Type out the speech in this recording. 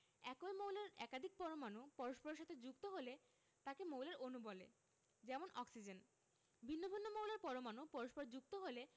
একই মৌলের একাধিক পরমাণু পরস্পরের সাথে যুক্ত হলে তাকে মৌলের অণু বলে যেমন অক্সিজেন ভিন্ন ভিন্ন মৌলের পরমাণু পরস্পর যুক্ত হলে